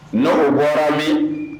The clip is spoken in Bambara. N o bɔra min